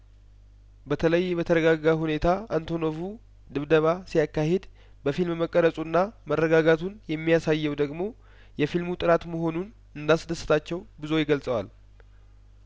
በተለይ በተረጋጋ ሁኔታ አንቶኖቩ ድብደባ ሲያካሂድ በፊልም መቀረጹና መረጋጋቱን የሚያሳየው ደግሞ የፊልሙ ጥራት መሆኑን እንዳስ ደሰታቸው ብዙዎች ገልጸዋል